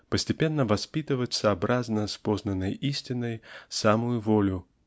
постепенно воспитывать сообразно с познанной истиной самую волю.